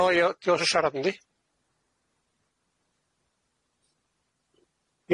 O iawn 'di o isho sharad yndi?